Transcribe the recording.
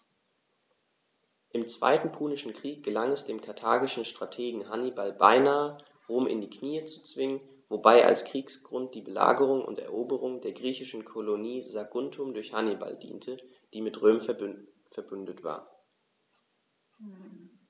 Im Zweiten Punischen Krieg gelang es dem karthagischen Strategen Hannibal beinahe, Rom in die Knie zu zwingen, wobei als Kriegsgrund die Belagerung und Eroberung der griechischen Kolonie Saguntum durch Hannibal diente, die mit Rom „verbündet“ war.